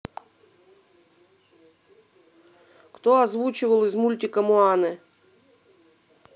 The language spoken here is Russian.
кто озвучивал из мультика моаны